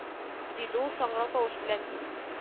Диде ул, саңгырау тавыш белән